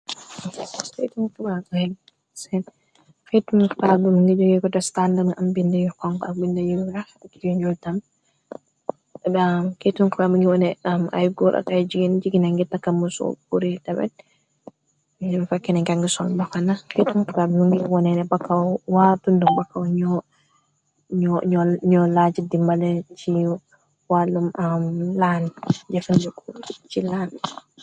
Keytum ngi xibaar bu nu leegeey yee ci standar am bindi yu konku ak bindi yu weex akiu njutam ketun krab ngi wone am ay góor ak ay jigeen jigina ngir nakamuso kure tabet faken gàng sol boxana xetun xrab yu ngi wonene bakaw waa tundum bakaw ñoo laajëddi mbale ci wàllum am laan jëfandi kuur ci laan.